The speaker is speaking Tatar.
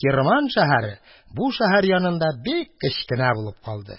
Кирман шәһәре бу шәһәр янында бик кечкенә булып калды.